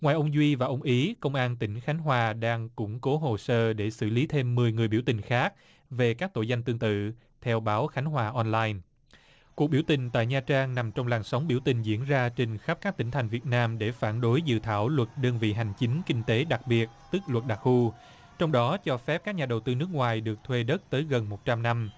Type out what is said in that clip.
ngoài ông duy và ông ý công an tỉnh khánh hòa đang củng cố hồ sơ để xử lý thêm mười người biểu tình khác về các tội danh tương tự theo báo khánh hòa online cuộc biểu tình tại nha trang nằm trong làn sóng biểu tình diễn ra trên khắp các tỉnh thành việt nam để phản đối dự thảo luật đơn vị hành chính kinh tế đặc biệt tức luật đặc khu trong đó cho phép các nhà đầu tư nước ngoài được thuê đất tới gần một trăm năm